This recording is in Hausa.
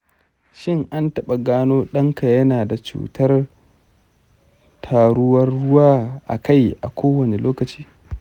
shin an taɓa gano ɗanka yana da cutar taruwar ruwa a kai a kowane lokaci?